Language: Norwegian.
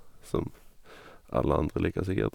Som alle andre liker, sikkert.